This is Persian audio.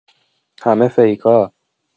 همه فیکا